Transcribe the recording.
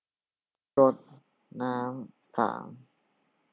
รดน้ำสาม